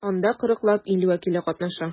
Анда 40 лап ил вәкиле катнаша.